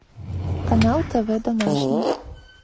канал тв домашний